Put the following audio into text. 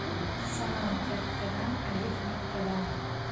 salom kattadan alif nuqtadan